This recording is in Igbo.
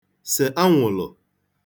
sè anwụ̀lụ̀